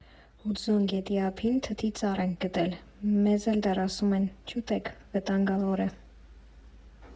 Հուդզոն գետի ափին թթի ծառ ենք գտել, մեզ էլ դեռ ասում են՝ չուտե՛ք, վտանգավոր է։